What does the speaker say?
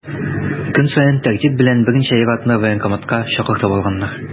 Көн саен тәртип белән берничә ир-атны военкоматка чакыртып алганнар.